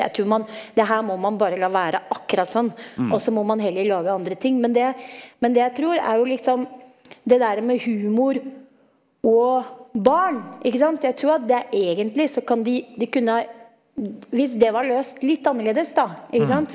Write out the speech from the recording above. jeg tror man det her må man bare la være akkurat sånn også må man heller lage andre ting, men det men det jeg tror er jo litt sånn det derre med humor og barn ikke sant, jeg tror at det er egentlig så kan de de kunne ha hvis det var løst litt annerledes da ikke sant.